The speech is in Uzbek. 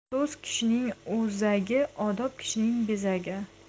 so'z kishining o'zagi odob kishining bezagi